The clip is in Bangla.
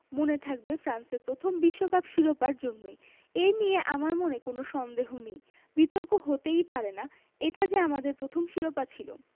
মনে থাকবে ফ্রান্সের প্রথম বিশ্বকাপ শিরোপার জন্যই এ নিয়ে আমার মনে কোনো সন্দেহ নেই বিতর্ক হতেই পারে না এটা যে আমাদের প্রথম শিরোপা ছিল